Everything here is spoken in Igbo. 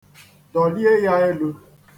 Dọlie ya elu